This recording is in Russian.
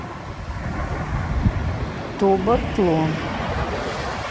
тобот атлон